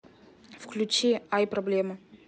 включи ай проблема